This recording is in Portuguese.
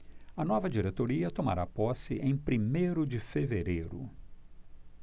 a nova diretoria tomará posse em primeiro de fevereiro